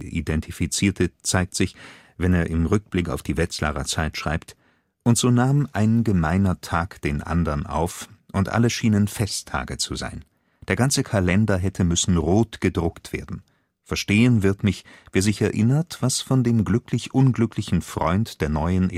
identifizierte, zeigt sich, wenn er im Rückblick auf die Wetzlarer Zeit schreibt: Und so nahm ein gemeiner Tag den andern auf, und alle schienen Festtage zu sein; der ganze Kalender hätte müssen rot gedruckt werden. Verstehen wird mich, wer sich erinnert, was von dem glücklich-unglücklichen Freund der Neuen